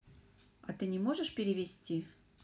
а ты не можешь перевести